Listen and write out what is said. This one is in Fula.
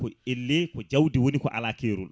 ko elle ko jaawdi woni ko ala keerol